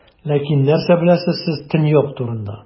Ләкин нәрсә беләсез сез Төньяк турында?